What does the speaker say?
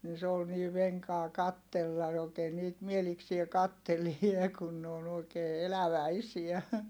niin se oli niin venkaa katsella oikein niitä mielikseen katselee kun ne on oikein eläväisiä